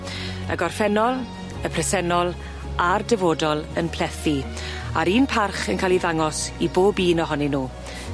Y gorffennol, y presennol a'r dyfodol yn plethu a'r un parch yn ca'l 'i ddangos i bob un ohonyn nw.